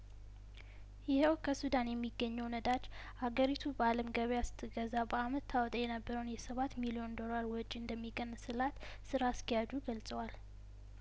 ይኸው ከሱዳን የሚገኘው ነዳጅ አገሪቱ በአለም ገበያ ስትገዛ በአመት ታወጣ የነበረውን የሰባት ሚሊዮን ዶራል ወጪ እንደሚቀንስላት ስራ አስኪያጁ ገልጸዋል